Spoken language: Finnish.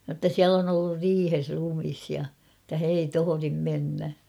jotta siellä on ollut riihessä ruumis ja että he ei tohdi mennä